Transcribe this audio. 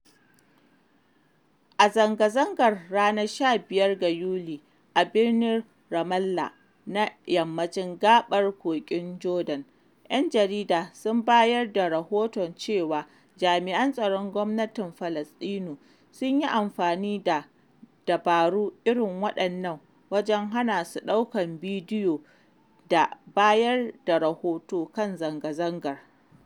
A zanga-zangar ranar 15 ga Yuni a birnin Ramallah na Yammacin Gaɓar Kogin Jordan, ‘yan jarida sun bayar da rahoto cewa jami’an tsaron gwamnatin Falasɗinu sun yi amfani da dabaru irin waɗannan wajen hana su ɗaukar bidiyo da bayar da rahoto kan zanga-zangar.